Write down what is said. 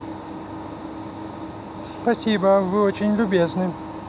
спасибо вы очень любезны